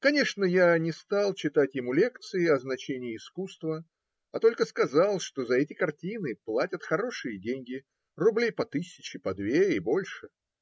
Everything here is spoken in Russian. Конечно, я не стал читать ему лекции о значении искусства, а только сказал, что за эти картины платят хорошие деньги, рублей по тысяче, по две и больше.